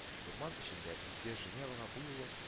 Урман эчендә Изге Женевага бу юлы